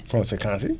conséquences yi